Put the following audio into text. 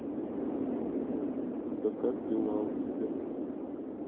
да как дела у тебя